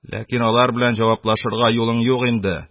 Ләкин алар белән җаваплашырга юлың юк инде